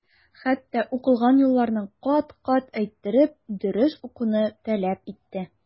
Хата укылган юлларны кат-кат әйттереп, дөрес укуны таләп итте.